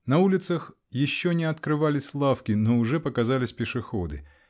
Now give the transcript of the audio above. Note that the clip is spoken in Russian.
На улицах еще не открывались лавки, но уже показались пешеходы